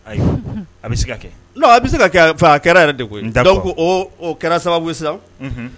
Ayi. Unhun. A bɛ se ka kɛ. Non a bɛ se ka kɛ, a kɛra yɛrɛ de koyi! donc o o kɛra sababu ye sa. Unhun